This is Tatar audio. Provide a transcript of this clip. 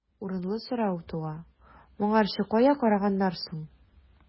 Урынлы сорау туа: моңарчы кая караганнар соң?